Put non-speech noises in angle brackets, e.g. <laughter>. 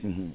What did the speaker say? <hesitation> <hesitation>